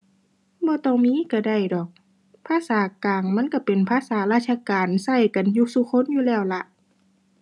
บ่ต้องมีก็ได้ดอก ภาษากลางมันก็เป็นภาษาราชการ ก็กันอยู่ซุคนอยู่แล้วล่ะ